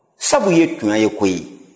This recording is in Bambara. sabu ye tiɲɛ ye koyi